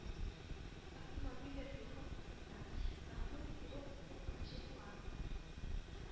Автомобиль йөртү хокукыннан мәхрүм ителү куркынычы туа.